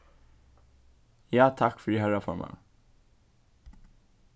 ja takk fyri harra formaður